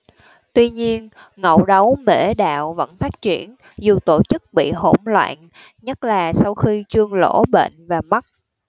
tuy nhiên ngũ đấu mễ đạo vẫn phát triển dù tổ chức bị hỗn loạn nhất là sau khi trương lỗ bệnh và mất